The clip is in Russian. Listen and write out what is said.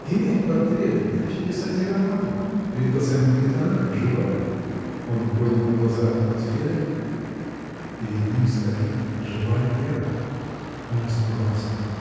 Имея портрет, легче писать и роман: перед глазами будет она как живая. Он поднял глаза от портфеля. Перед ним стоит — живая Вера! Он испугался.